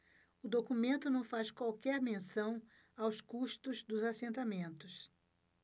o documento não faz qualquer menção aos custos dos assentamentos